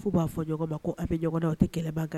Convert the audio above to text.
Fo b'a fɔ ko aw bɛda aw tɛ kɛlɛ kɛ